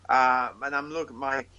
a mae'n amlwg mae